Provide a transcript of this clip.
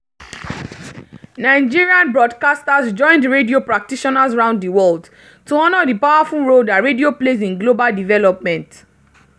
Nigerian broadcasters joined radio practitioners around the world to honor the powerful role that radio plays in global development.